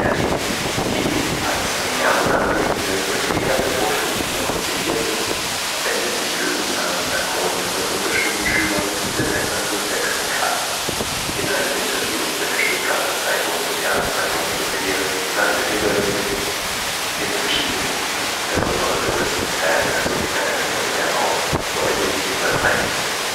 ARD), die ebenfalls zum Lernen anregen will und eher für Vorschulkinder konzipiert ist, wendet sich Löwenzahn an Grund - und Unterstufenschüler bis etwa zur sechsten Klasse. In einem Interview mit der Stuttgarter Zeitung im Jahr 2004 sagte Peter Lustig: „ Inzwischen wissen wir, dass unsere größten Fans so wie bei der ‚ Sendung mit der Maus ‘deutlich über 30 sind